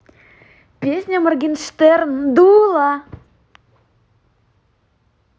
песня morgenshtern дуло